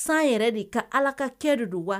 San yɛrɛ de ka Ala ka kɛ de do wa